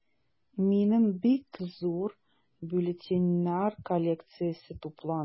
Минем бик зур бюллетеньнәр коллекциясе тупланды.